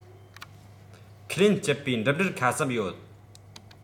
ཁས ལེན སྤྱི པའི འགྲིམ འགྲུལ ཁ གསབ ཡོད